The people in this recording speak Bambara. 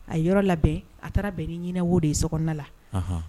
A yɔrɔ labɛn a taara bɛn ni ɲinin wo de ye so la